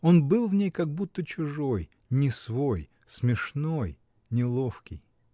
Он был в ней как будто чужой, не свой, смешной, неловкий.